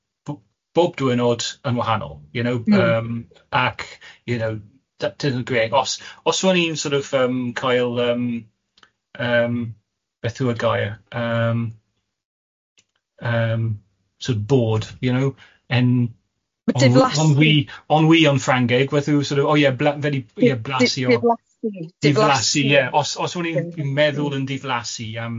bo- bob diwyrnod yn wahanol you know... Mm. ...yym ac you know, os os o'n i'n sort of yym cael yym yym beth yw y gair, yym yym sort of bored you know... Diflas- ...yn onwy onwy o'n Ffrangeg wethw sort of o ie bla- fel i ie blasu o... Diflasu. ...diflasu, ie os os o'n i'n meddwl yn diflasu yym,